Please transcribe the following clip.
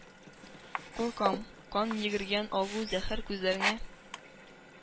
Куркам; Кан йөгергән агу, зәһәр күзләреңә.